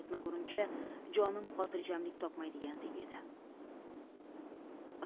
yetmagunimcha jonim xotirjamlik topmaydigandek edi